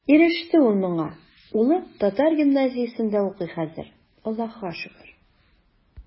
Иреште ул моңа, улы татар гимназиясендә укый хәзер, Аллаһыга шөкер.